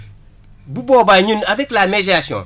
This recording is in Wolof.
bu boobaa ñun avecec la médiation